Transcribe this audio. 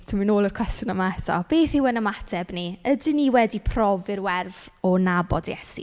Dwi'n mynd i ôl i'r cwestiwn yma eto. Beth yw ein ymateb ni? Ydyn ni wedi profi'r werf o nabod Iesu?